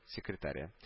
Секретаре